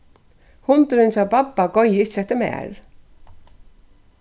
hundurin hjá babba goyði ikki eftir mær